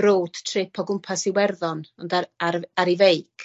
road trip o gwmpas Iwerddon ond ar ar ar ei feic.